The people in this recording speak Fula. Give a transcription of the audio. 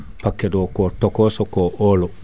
pqauet o ko tokoso ko olo